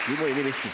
du må inn i midten.